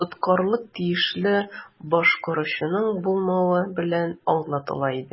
Тоткарлык тиешле башкаручының булмавы белән аңлатыла иде.